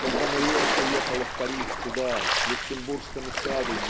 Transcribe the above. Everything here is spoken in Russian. когда Мариэтт уехала в Париж туда к Люксембургскому саду